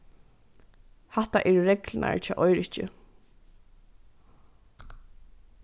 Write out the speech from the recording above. hatta eru reglurnar hjá eiriki